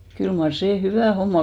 kyllä mar se hyvä homma